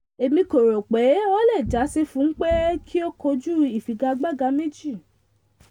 Èmi kò rò pé ó le jásí fún pé kí ó kojú ìfigagbága méjì.